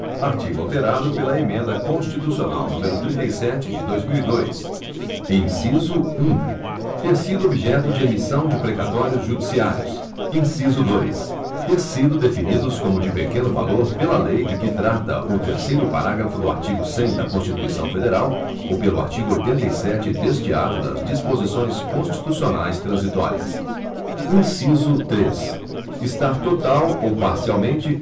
artigo alterado pela emenda constitucional número trinta e sete de dois mil e dois inciso um ter sido objeto de emissão de precatórios judiciários inciso dois ter sido definidos como de pequeno valor pela lei de que trata o terceiro parágrafo do artigo cem da constituição federal ou pelo artigo oitenta e sete deste ato das disposições constitucionais transitórias inciso três estar total ou parcialmente